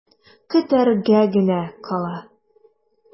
Көтәргә генә кала.